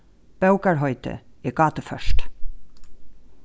bókarheitið er gátuført